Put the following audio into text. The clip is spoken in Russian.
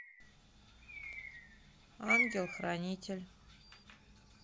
ангел хранитель